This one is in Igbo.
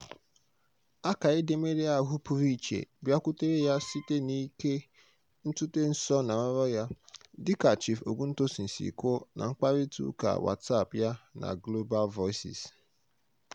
Akara edemede ahụ pụrụ iche bịakwutere ya site n'ike ntụte nsọ na nrọ ya, dị ka Chief Ògúntósìn si kwuo na mkparịta ụka WhatsApp ya na Global Voices.